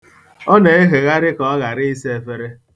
Ọ na-ehegharị ka ọ ghara ịsa efere.